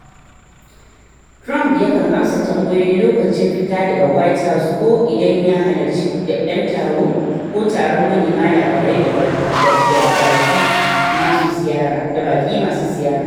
Trump yakan amsa tambayoyi lokacin fita daga White House ko idan ya hallarci budaden taro ko taron manema labarai da baki masu ziyara.